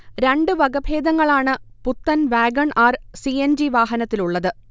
രണ്ട് വകഭേദങ്ങളാണ് പുത്തൻ wagon R. C. N. G വാഹനത്തിലുള്ളത്